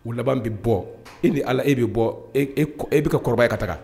U laban bɛ bɔ e ni ala e bɛ bɔ e bɛ ka kɔrɔbaya ka taga